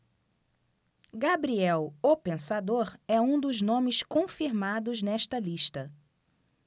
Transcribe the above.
gabriel o pensador é um dos nomes confirmados nesta lista